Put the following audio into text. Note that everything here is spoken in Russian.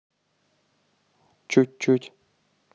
чуть чуть